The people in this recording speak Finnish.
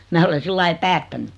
minä olen sillä lailla päättänyt